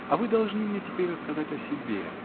а вы должны мне теперь рассказать о себе.